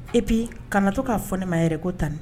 Epi kana na to k'a fɔ ne ma yɛrɛ ko tan